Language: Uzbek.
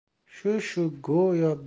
shu shu go'yo